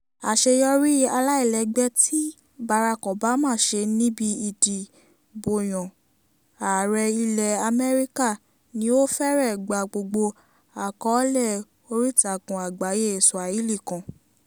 Àṣeyọrí aláìlẹ́gbẹ́ tí Barack Obama ṣe níbi ìdìbòyàn Ààrẹ ilẹ̀ Amẹ́ríkà ni ó fẹ́rẹ̀ gba gbogbo àkọọ́lẹ̀ oríìtakùn àgbáyé Swahili kan.